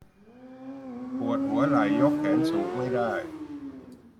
ปวดหัวไหล่ยกแขนสูงไม่ได้